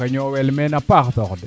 oxey ñoowel meen a paax toox de